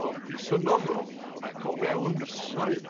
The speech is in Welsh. Ond bu synnon n'w ac o fewn misoedd